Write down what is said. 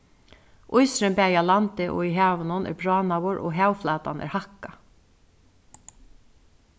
ísurin bæði á landi og í havinum er bráðnaður og havflatan er hækkað